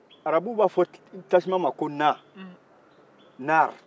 arabuw b'a fɔ tasuma ma ko naari